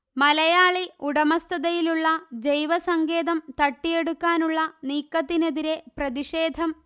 മലയാളി ഉടമസ്ഥതയിലുള്ള ജൈവസങ്കേതം തട്ടിയെടുക്കാനുള്ള നീക്കത്തിനെതിരെ പ്രതിഷേധം